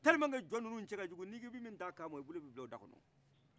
tɛlima ke jɔn nunun cɛkajugun ni k' ibi min t' a kan ma i bolo bi d' o dakɔnɔ